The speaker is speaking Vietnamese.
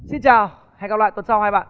xin chào hẹn gặp lại tuần sau hai bạn